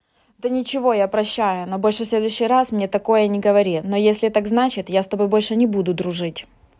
да ничего я прощаю но больше следующий раз мне не такое не говори но если так значит я с тобой больше не буду дружить